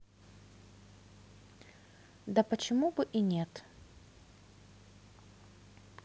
да почему бы и нет